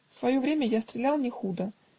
В свое время я стрелял не худо